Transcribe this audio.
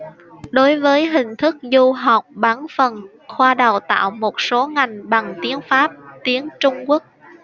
đối với hình thức du học bán phần khoa đào tạo một số ngành bằng tiếng pháp tiếng trung quốc